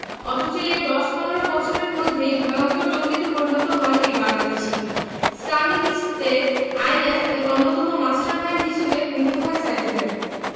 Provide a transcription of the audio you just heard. অথচ এর ১০ ১৫ বছরের মধ্যেই ভয়ংকর জঙ্গিতে পরিণত হন এই বাংলাদেশি ইসলামিক স্টেট আইএস এর অন্যতম মাস্টারমাইন্ড হিসেবে মৃত্যু হয় সাইফুলের